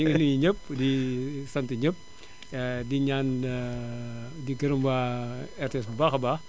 ñu ngi nuyu ñëpp di sant ñëpp di ñaan di gërëm waa RTS bu baax a baax